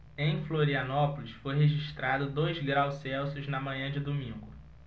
em florianópolis foi registrado dois graus celsius na manhã de domingo